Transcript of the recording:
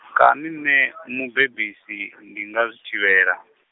kani nṋe, mubebisi, ndi nga zwi thivhela?